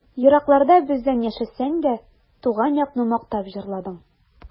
Еракларда бездән яшәсәң дә, Туган якны мактап җырладың.